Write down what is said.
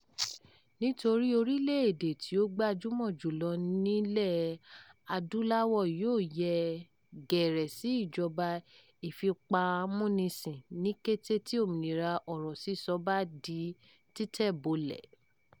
Nítorí orílẹ̀ èdèe tí ó gbajúmọ̀ jù lọ nílẹ̀ Adúláwọ̀ yóò yẹ̀ gẹ̀rẹ̀ sí ìjọba ìfipámúnisìn ní kété tí òmìnira ọ̀rọ̀ sísọ bá di títẹ̀ bọlẹ̀.